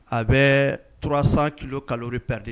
A bɛ 300 kilocalories perdues